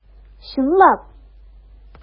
Чынлап!